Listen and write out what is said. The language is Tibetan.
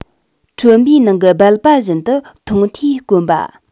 ཁྲོན པའི ནང གི སྦལ པ བཞིན དུ མཐོང ཐོས དཀོན པ